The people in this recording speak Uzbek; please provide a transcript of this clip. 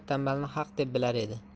tanbalni haq deb bilar edi